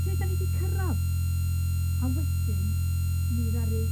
Lle 'dan ni 'di cyrradd? A wedyn, mi ddaru...